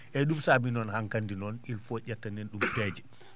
eeyi ɗum saabi noon han kandi noon il faut ƴetta nen ɗum peeje